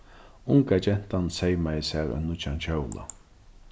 unga gentan seymaði sær ein nýggjan kjóla